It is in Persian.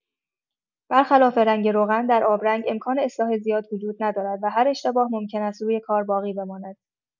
برخلاف رنگ روغن، در آبرنگ امکان اصلاح زیاد وجود ندارد و هر اشتباه ممکن است روی کار باقی بماند.